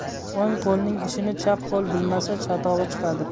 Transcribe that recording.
o'ng qo'lning ishini chap qo'l bilmasa chatog'i chiqadi